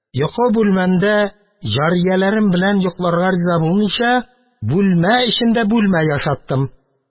Йокы бүлмәмдә җарияләрем белән йокларга риза булмыйча, бүлмә эчендә бүлмә ясаттым.